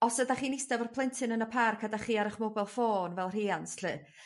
os ydach chi'n ista 'fo'r plentyn yn y parc a dach chi ar 'ych mobile phone fel rhiant lly